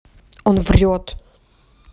он врет